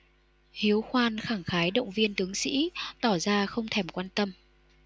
hiếu khoan khẳng khái động viên tướng sĩ tỏ ra không thèm quan tâm